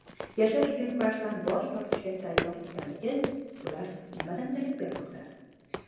yashash uchun kurashdan bosh tortishga tayyor ekanligi bular nimadan darak bermoqda